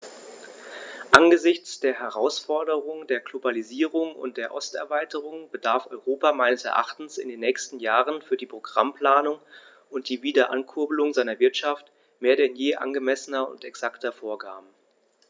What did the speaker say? Angesichts der Herausforderung der Globalisierung und der Osterweiterung bedarf Europa meines Erachtens in den nächsten Jahren für die Programmplanung und die Wiederankurbelung seiner Wirtschaft mehr denn je angemessener und exakter Vorgaben.